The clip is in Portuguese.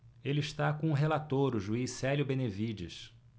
ele está com o relator o juiz célio benevides